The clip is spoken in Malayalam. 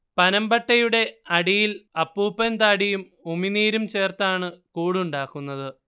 പനമ്പട്ടയുടേ അടിയിൽ അപ്പൂപ്പൻ താടിയും ഉമിനീരും ചേർത്താണ് കൂടുണ്ടാക്കുന്നത്